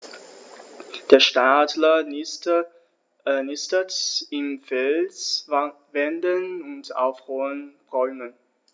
Der Steinadler nistet in Felswänden und auf hohen Bäumen.